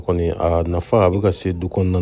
a nafa tun ma se du kɔnɔna na